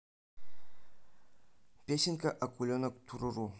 песенки акуленок ту ру ру